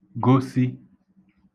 gosi